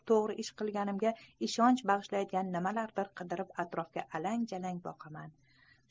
to'g'ri ish qilganimga ishonch bag'ishlaydigan nimalarnidir qidirib atrofga alang jalang boqar ekanman